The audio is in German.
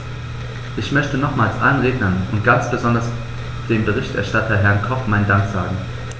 Ich möchte nochmals allen Rednern und ganz besonders dem Berichterstatter, Herrn Koch, meinen Dank sagen.